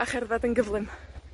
a cherddad yn gyflym.